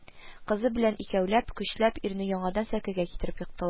Кызы белән икәүләп, көчләп ирне яңадан сәкегә китереп ектылар